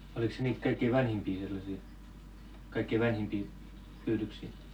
oliko se niitä kaikkein vanhimpia sellaisia kaikkein vanhimpia pyydyksiä